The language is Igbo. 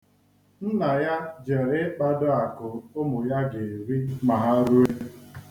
Nna ya jere ịkpado akụ ụmụ ya ga-eri ma he ruo.